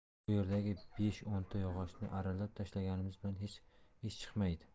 bu yerdagi besh o'nta yog'ochni arralab tashlaganimiz bilan hech ish chiqmaydi